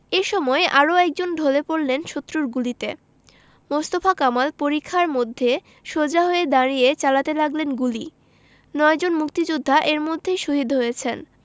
এ সময় আরও একজন ঢলে পড়লেন শত্রুর গুলিতে মোস্তফা কামাল পরিখার মধ্যে সোজা হয়ে দাঁড়িয়ে চালাতে লাগলেন গুলি নয়জন মুক্তিযোদ্ধা এর মধ্যেই শহিদ হয়েছেন